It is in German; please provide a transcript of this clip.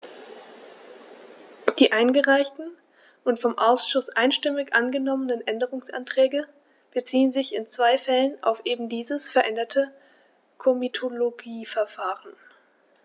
Die eingereichten und vom Ausschuss einstimmig angenommenen Änderungsanträge beziehen sich in zwei Fällen auf eben dieses veränderte Komitologieverfahren.